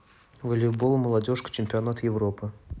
волейбол молодежка чемпионат европы